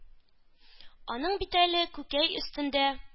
Аның бит әле күкәй өстендә